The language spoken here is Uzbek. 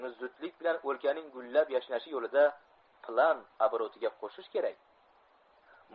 uni zudlik bilan o'lkaning gullab yashnashi yo'lida plan oborotiga qo'shish kerak